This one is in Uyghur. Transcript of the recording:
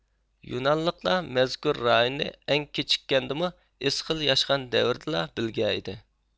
يۇنانلىقلار مەزكۇر رايوننى ئەڭ كېچىككەندىمۇ ئېسخېل ياشىغان دەۋردىلا بىلگەنىدى